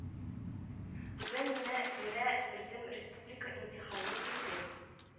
Бүген менә ерэ бердәм республика имтиханы бирдем